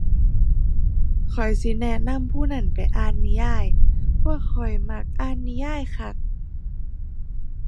ข้อยสิแนะนำผู้นั้นไปอ่านนิยายเพราะข้อยมักอ่านนิยายคัก